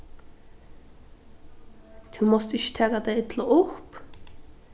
tú mást ikki taka tað illa upp